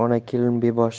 onali kelin bebosh